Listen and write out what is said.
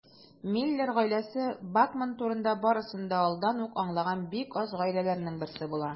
Миллер гаиләсе Бакман турында барысын да алдан ук аңлаган бик аз гаиләләрнең берсе була.